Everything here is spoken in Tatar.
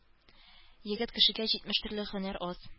Егет кешегә җитмеш төрле һөнәр аз.